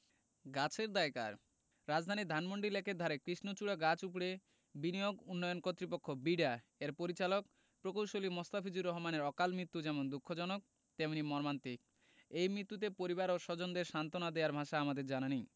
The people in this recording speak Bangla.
গাছের দায় কার রাজধানীর ধানমন্ডি লেকের ধারে কৃষ্ণচূড়া গাছ উপড়ে বিনিয়োগ উন্নয়ন কর্তৃপক্ষ বিডা এর পরিচালক প্রকৌশলী মোস্তাফিজুর রহমানের অকালমৃত্যু যেমন দুঃখজনক তেমনি মর্মান্তিক এই মৃত্যুতে পরিবার ও স্বজনদের সান্তনা দেয়ার ভাষা আমাদের জানা নেই